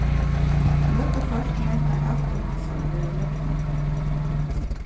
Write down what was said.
nøkur fólk meta atburð hansara vera løgnan